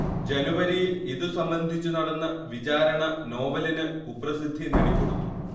ജനുവരിയിൽ ഇതുസംബന്ധിച്ചു നടന്ന വിചാരണ നോവലിന് കുപ്രസിദ്ധി നേടിക്കൊടുത്തു